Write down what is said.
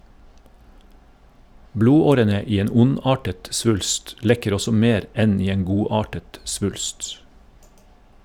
Blodårene i en ondartet svulst lekker også mer enn i en godartet svulst.